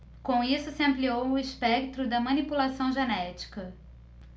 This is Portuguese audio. com isso se ampliou o espectro da manipulação genética